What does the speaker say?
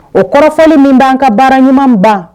O kɔrɔfɔli min bɛ' an ka baara ɲuman ban